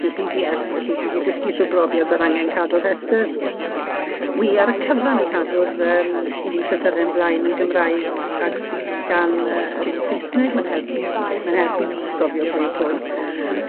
ne' Pee Dee Eff felly dwi 'di dysgu trw brofiad bod angen cadw rhestyr wi ar y cyfan yn cadw'r yym un llythyren flaen yn Gymraeg ag sydd gan yy yr un Saesneg, ma'n helpu i f- ma'n helpu fi gofio pwy yw pwy.